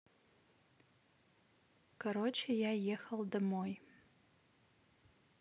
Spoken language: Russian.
короче я ехал домой